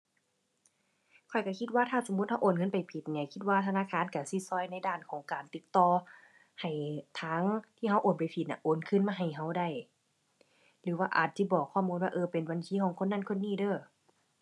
ข้อยก็คิดว่าถ้าสมมุติก็โอนเงินไปผิดเนี่ย คิดว่าธนาคารก็สิก็ในด้านของการติดต่อ ให้ทางที่ก็โอนไปผิดเนี่ย โอนคืนมาให้ก็ได้ หรือว่าอาจจิบอกข้อมูลว่า เออ เป็นบัญชีของคนนั้นคนนี้เด้อ